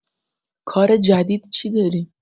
کار جدید چی داری؟